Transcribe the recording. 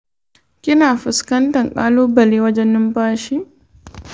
kina fuskantan kalubale wajen numfashin?